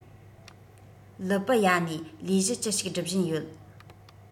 ལི པི ཡ ནས ལས གཞི ཅི ཞིག སྒྲུབ བཞིན ཡོད